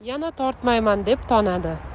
yana tortmayman deb tonadi